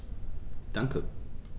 Danke.